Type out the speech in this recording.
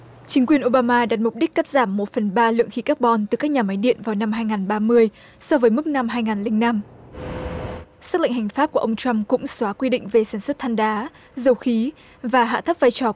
chính quyền ô ba ma đặt mục đích cắt giảm một phần ba lượng khí các bon từ các nhà máy điện vào năm hai ngàn ba mươi so với mức năm hai nghìn linh năm sắc lệnh hành pháp của ông trăm cũng xóa quy định về sản xuất than đá dầu khí và hạ thấp vai trò